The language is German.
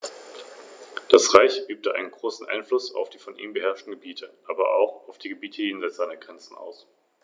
Ein Großteil des Parks steht auf Kalkboden, demnach dominiert in den meisten Gebieten kalkholde Flora.